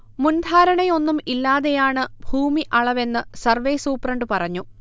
മുൻധാരണയൊന്നും ഇല്ലാതെയാണ് ഭൂമി അളവെന്ന് സർവേ സൂപ്രണ്ട് പറഞ്ഞു